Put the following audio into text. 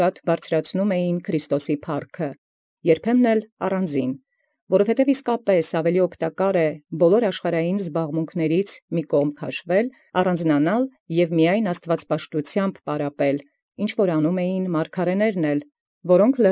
Զփառսն Քրիստոսի առաւելովք բարձրացուցանէին. քանզի առաւել աւգտակար իսկ է՝ յամենայն աշխարհակիր զբաւսանաց առանձինն սահմանել և միայն աստուածապաշտութեանն պարապել, զոր և մարգարէքն գործէին, որք ի։